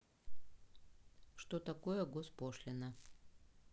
что такое госпошлина